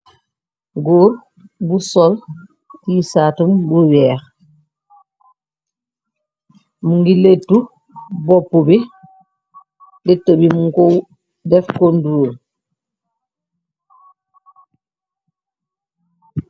Goor bu sol ti shirt tam bu weeh, mungi lettu boppu bi. Letta bi mung ko def conduro.